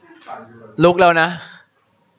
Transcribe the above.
ลุกแล้วนะ